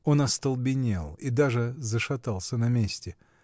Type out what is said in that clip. Он остолбенел и даже зашатался на месте.